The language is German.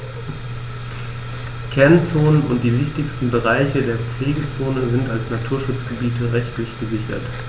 Kernzonen und die wichtigsten Bereiche der Pflegezone sind als Naturschutzgebiete rechtlich gesichert.